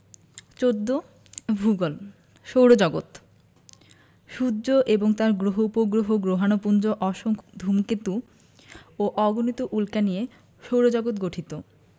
১৪ ভূগোল সৌরজগৎ সূর্য এবং তার গ্রহ উপগ্রহ গ্রহাণুপুঞ্জ অসংখ্য ধুমকেতু ও অগণিত উল্কা নিয়ে সৌরজগৎ গঠিত